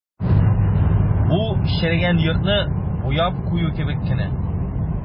Бу черегән йортны буяп кую кебек кенә.